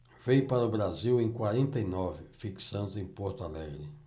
veio para o brasil em quarenta e nove fixando-se em porto alegre